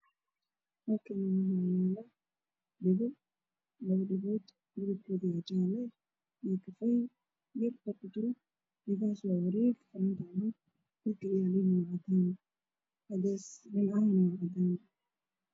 Halkaan waxaa yaalo labo dhagood oo jaale iyo kafay ah, waa dhago wareegsan, dhulka uu yaalo waa cadaan, cadeys iyo cadaan.